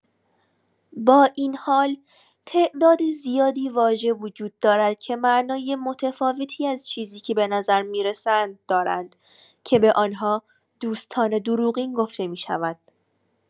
با این حال، تعداد زیادی واژه وجود دارد که معنای متفاوتی از چیزی که به نظر می‌رسند دارند که به آنها «دوستان دروغین» گفته می‌شود.